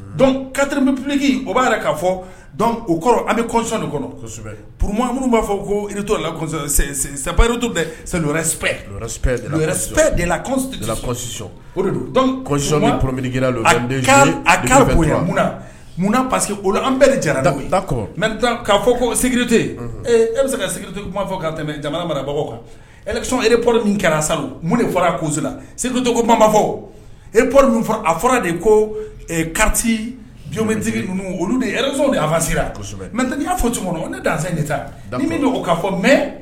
Dɔncripki o b'a yɛrɛ kaa fɔ o kɔrɔ an bɛ kɔsɔnsɛbɛ p minnu b'a fɔ ko to lasɔyiritu bɛsi de donsɔnɔn p a kɛra munna parce que olu an bɛɛ jara da'a fɔ kote e bɛ se ka ste kumafɔ ka tɛmɛ jamana marabagaw kansɔn ereporo min kɛra sa mun de fɔra a kɔsila segudute komaba fɔ e pp fɔ a fɔra de ko kati jɔntigi ninnu olu dez afasi kosɛbɛ mɛt n y'a fɔ cogo kɔnɔ ne dan in ye taa min bɛ ko k'a fɔ mɛ